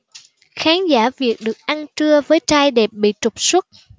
khán giả việt được ăn trưa với trai đẹp bị trục xuất